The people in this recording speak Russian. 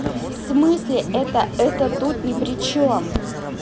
в смысле это это тут не причем